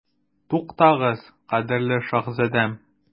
Туктагыз, кадерле шаһзадәм.